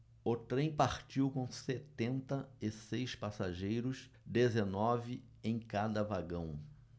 o trem partiu com setenta e seis passageiros dezenove em cada vagão